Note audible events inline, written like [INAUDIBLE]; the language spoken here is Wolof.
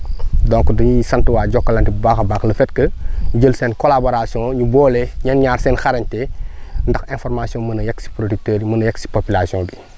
[NOISE] donc di sant waa Jokalante bu baax a baax le fait que ñu jël seen collaboration ñu boole ñoom ñaar seen xarañte ndax information mën a yegg si producteurs yi mën a yegg si population bi